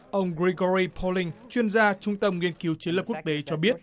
ông gờ ry po li gô ling chuyên gia trung tâm nghiên cứu chiến lược quốc tế cho biết